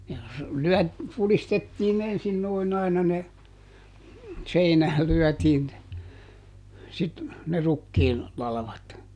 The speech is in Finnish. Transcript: ja se - pudistettiin ensin noin aina ne seinään lyötiin ne - ne rukiin latvat